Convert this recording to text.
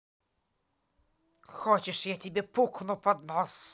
хочешь я тебе пукну под нос